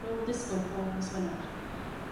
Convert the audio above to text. roler disco bob nos Wenar.